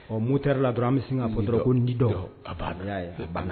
Ɔ moteur dɔrɔn an bɛ sin k'a fɔ dɔrɔn n ti dɔ, a banna